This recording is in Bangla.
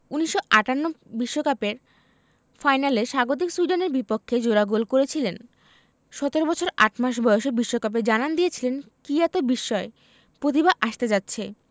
১৯৫৮ বিশ্বকাপের ফাইনালে স্বাগতিক সুইডেনের বিপক্ষে জোড়া গোল করেছিলেন ১৭ বছর ৮ মাস বয়সে বিশ্বকাপে জানান দিয়েছিলেন কী এত বিস্ময় প্রতিভা আসতে যাচ্ছে